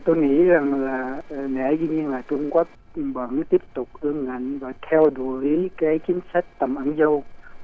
tôi nghĩ rằng là lẽ đương nhiên là trung quốc vẫn tiếp tục ương ngạnh rồi theo đuổi cái chính sách tằm ăn dâu